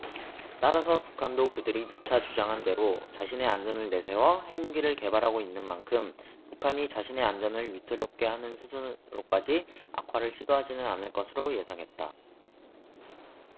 따라서 북한도 그들이 누차 주장한대로 자신의 안전을 내세워 핵무기를 개발하고 있는 만큼 북한이 자신의 안전을 위태롭게 하는 수준으로까지 악화를 시도하지는 않을 것으로 예상했다